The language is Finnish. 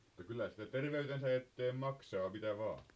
mutta kyllä sitä terveytensä eteen maksaa mitä vain